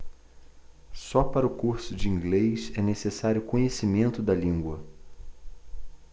só para o curso de inglês é necessário conhecimento da língua